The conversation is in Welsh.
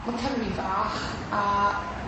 ma' Cymru'n fach a